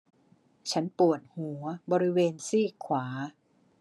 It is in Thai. ฉันปวดหัวบริเวณซีกขวา